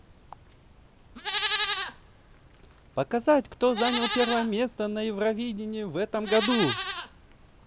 показать кто занял первое место на евровидении в этом году